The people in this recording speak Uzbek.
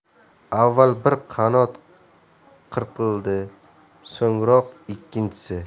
avval bir qanot qirqildi so'ngroq ikkinchisi